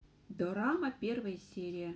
дорама первая серия